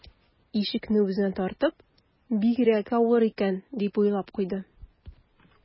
Ишекне үзенә тартып: «Бигрәк авыр икән...», - дип уйлап куйды